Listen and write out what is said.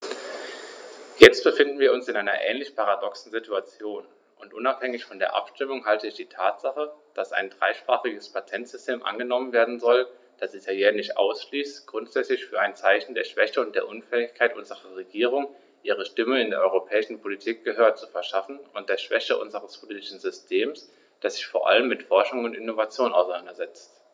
Jetzt befinden wir uns in einer ähnlich paradoxen Situation, und unabhängig von der Abstimmung halte ich die Tatsache, dass ein dreisprachiges Patentsystem angenommen werden soll, das Italienisch ausschließt, grundsätzlich für ein Zeichen der Schwäche und der Unfähigkeit unserer Regierung, ihrer Stimme in der europäischen Politik Gehör zu verschaffen, und der Schwäche unseres politischen Systems, das sich vor allem mit Forschung und Innovation auseinandersetzt.